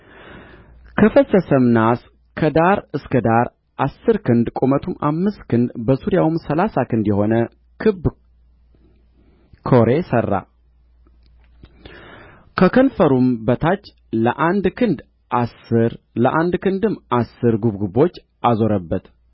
ከፈሰሰም ናስ ከዳር እስከ ዳር አሥር ክንድ ቁመቱም አምስት ክንድ በዙሪያውም ሠላሳ ክንድ የሆነ ክብ ኵሬ ሠራ ከከንፈሩም በታች ለአንድ ክንድ አሥር ለአንድ ክንድም አሥር ጉብጉቦች አዞረበት